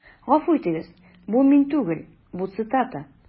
Гафу итегез, бу мин түгел, бу цитата.